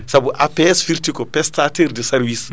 saabuu APS firti ko pestateur de service